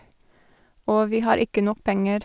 Og vi har ikke nok penger.